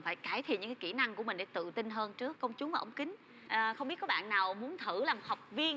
phải cải thiện những kỹ năng của mình để tự tin hơn trước công chúng ống kính ờ không biết có bạn nào muốn thử lần học viên